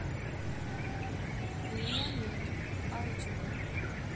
у меня нет а у тебя